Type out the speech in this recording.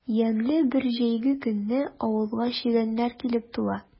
Ямьле бер җәйге көнне авылга чегәннәр килеп тула.